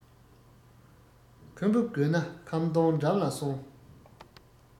ཁམ བུ དགོས ན ཁམ སྡོང འགྲམ ལ སོང